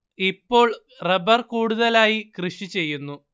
ഇപ്പോൾ റബ്ബർ കൂടുതലായി കൃഷി ചെയ്യുന്നു